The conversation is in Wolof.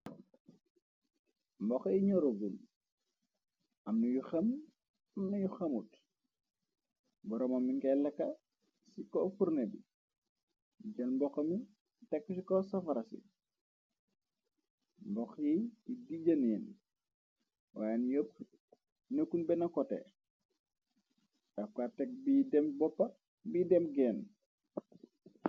Mboxi ñërogun amnayu xammnanu xamut borooma mi ngay laka ci ko furne bi jël mboxa mi tekkchiko safarasi mbox yi dijëneen waayen yopp nekkun ben kote tafka tek boppa bi dem génn.